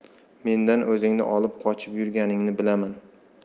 mendan o'zingni olib qochib yurganingni bilaman